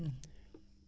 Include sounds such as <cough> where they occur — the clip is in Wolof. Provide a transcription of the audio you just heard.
<hesitation>